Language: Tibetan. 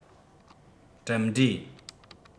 གྲུབ འབྲས